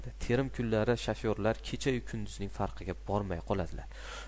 terim kunlari shofyorlar kecha kunduzning farqiga bormay qolishadi